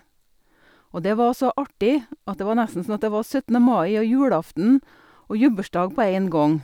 Og det var så artig at det var nesten sånn at det var syttende mai og julaften og gebursdag på en gang.